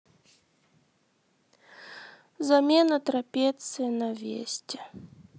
замена трапеции на весте